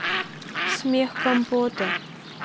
смех компота